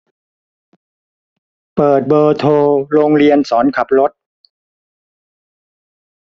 เปิดเบอร์โทรโรงเรียนสอนขับรถ